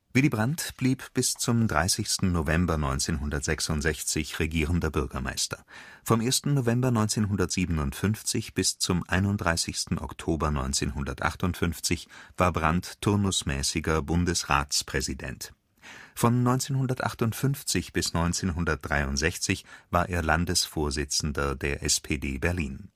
Er blieb bis zum 30. November 1966 Regierender Bürgermeister. Vom 1. November 1957 bis zum 31. Oktober 1958 war Brandt turnusmäßiger Bundesratspräsident. Von 1958 bis 1963 war er Landesvorsitzender der SPD Berlins